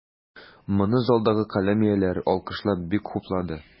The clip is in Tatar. Моны залдагы каләм ияләре, алкышлап, бик хуплады.